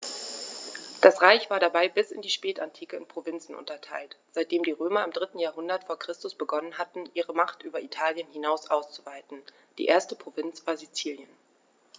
Das Reich war dabei bis in die Spätantike in Provinzen unterteilt, seitdem die Römer im 3. Jahrhundert vor Christus begonnen hatten, ihre Macht über Italien hinaus auszuweiten (die erste Provinz war Sizilien).